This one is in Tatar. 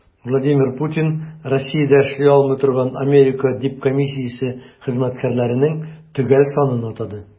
Владимир Путин Россиядә эшли алмый торган Америка дипмиссиясе хезмәткәрләренең төгәл санын атады.